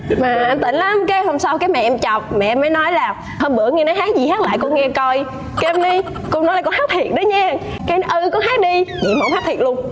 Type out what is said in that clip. mà anh tỉnh lắm cái hôm sau cái mẹ em trọc mẹ em mới nói là hôm bữa nghe nó hát gì hát lại cô nghe coi kế mới cô ơi con hát thiệc đó nha cái ừ con hát đi vậy mà ổng hát thiệc luôn